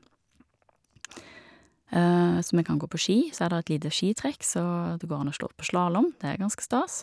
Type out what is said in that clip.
Så vi kan gå på ski, så er der et lite skitrekk, så det går an å slå på slalåm, det er ganske stas.